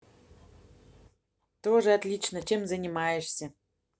тоже отлично чем занимаешься